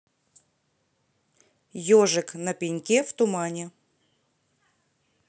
ежик на пеньке в тумане